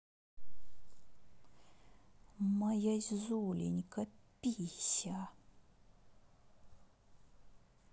моя зуленька пися